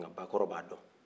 nka bakɔrɔ bɛ a dɔn